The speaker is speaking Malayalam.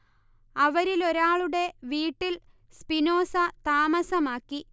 അവരിലൊരാളുടെ വീട്ടിൽ സ്പിനോസ താമസമാക്കി